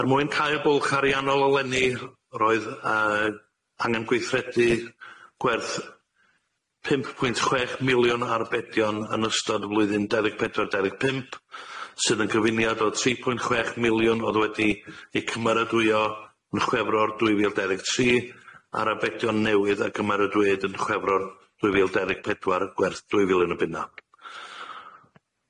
Er mwyn cau'r bwlch ariannol eleni roedd yy angen gweithredu gwerth pump pwynt chwech miliwn arbedion yn ystod flwyddyn dau ddeg pedwar dau ddeg pump, sydd yn gyfuniad o tri pwynt chwech miliwn o'dd wedi ei cymerydwyo yn Chwefror dwy fil dau ddeg tri, ar arbedion newydd a cymerydwyd yn Chwefror dwy fil dau ddeg pedwar, gwerth dwy filiwn o bunna.